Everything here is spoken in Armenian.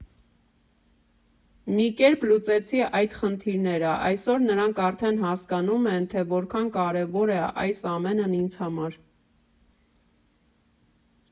Մի կերպ լուծեցի այդ խնդիրները, այսօր նրանք արդեն հասկանում են, թե որքան կարևոր է այս ամենն ինձ համար։